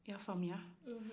i y'a famuya